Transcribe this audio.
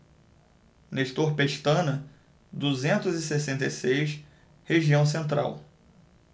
nestor pestana duzentos e sessenta e seis região central